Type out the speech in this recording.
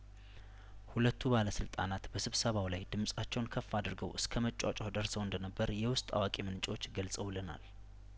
ሁለቱ ባለስልጣናት በስብሰባው ላይ ድምጻቸውን ከፍ አድርገው እስከ መጯጫህ ደርሰው እንደነበር የውስጥ አዋቂ ምንጮች ገልጸውለናል